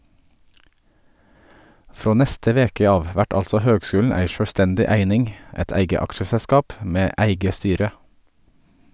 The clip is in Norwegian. Frå neste veke av vert altså høgskulen ei sjølvstendig eining, eit eige aksjeselskap med eige styre.